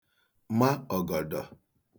ma ọ̀gọ̀dọ̀